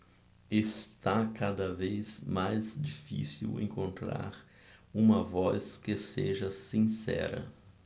está cada vez mais difícil encontrar uma voz que seja sincera